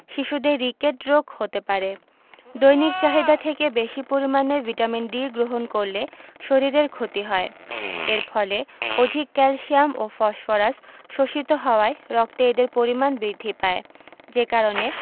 শিশুদের রিকেট রোগ হতে পারে দৈনিক চাহিদা থেকে বেশী পরিমাণে ভিটামিন D গ্রহণ করলে শরীরের ক্ষতি হয় এর ফলে অধিক ক্যালসিয়াম ও ফসফরাস শোষিত হওয়ায় রক্তে এদের পরিমাণ বৃদ্ধি পায় যে কারণে